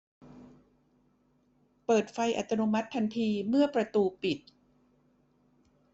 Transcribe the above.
เปิดไฟอัตโนมัติทันทีเมื่อประตูปิด